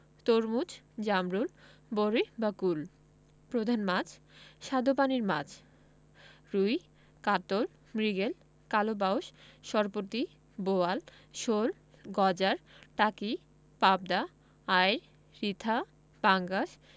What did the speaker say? তরমুজ জামরুল বরই বা কুল প্রধান মাছঃ স্বাদুপানির মাছ রুই কাতল মৃগেল কালবাউস সরপুঁটি বোয়াল শোল গজার টাকি পাবদা আইড় রিঠা পাঙ্গাস